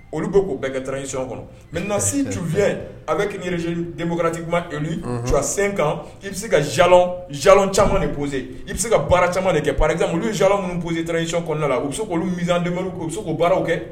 Olu bɛ k' bɛɛ kɛta icɔn kɔnɔ mɛ nasi jufi a bɛ kini yɛrɛrez denboti tu sen kan i bɛ se kasasa caman ni pse i bɛ se ka baara caman de kɛ paz olu zsalamu posec kɔnɔ u bɛ se' olu miz u bɛ se k'o baara kɛ